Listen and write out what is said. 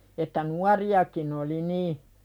että nuoriakin oli niin